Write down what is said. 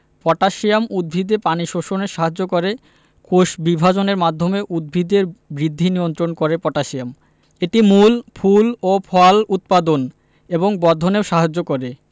potassium উদ্ভিদে পানি শোষণে সাহায্য করে কোষবিভাজনের মাধ্যমে উদ্ভিদের বৃদ্ধি নিয়ন্ত্রণ করে পটাশিয়াম এটি মূল ফুল ও ফল উৎপাদন এবং বর্ধনেও সাহায্য করে